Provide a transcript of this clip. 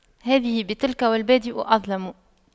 هذه بتلك والبادئ أظلم